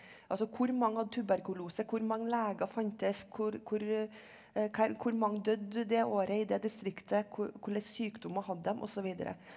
altså hvor mange hadde tuberkulose, hvor mange leger fantes, hvor hvor mange dødde det året i det distriktet, hvilke sykdommer hadde dem, osv.